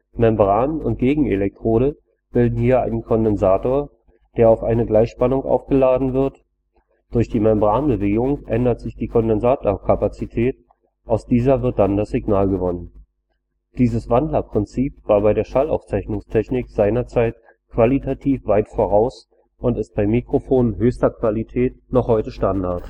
Membran und Gegenelektrode bilden hier einen Kondensator, der auf eine Gleichspannung aufgeladen wird; durch die Membranbewegung ändert sich die Kondensatorkapazität, aus dieser wird das Signal gewonnen. Dieses Wandlerprinzip war der Schallaufzeichnungstechnik seiner Zeit qualitativ weit voraus und ist bei Mikrofonen höchster Qualität noch heute Standard